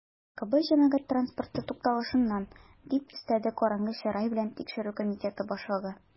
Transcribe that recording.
"ркб җәмәгать транспорты тукталышыннан", - дип өстәде караңгы чырай белән тикшерү комитеты башлыгы.